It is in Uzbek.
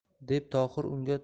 deb tohir unga